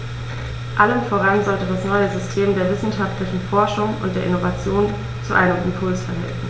Allem voran sollte das neue System der wissenschaftlichen Forschung und der Innovation zu einem Impuls verhelfen.